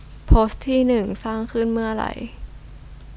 โพสต์ที่หนึ่งสร้างขึ้นเมื่อไร